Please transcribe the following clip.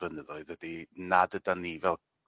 blynyddoedd ydi nad ydan ni fel